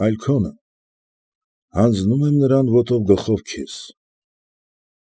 Այլ քոնը, հանձնում եմ նրան ոտով գլխով քեզ։